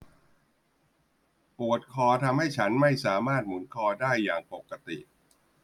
ปวดคอทำให้ฉันไม่สามารถหมุนคอได้อย่างปกติ